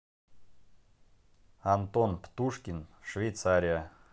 антон птушкин швейцария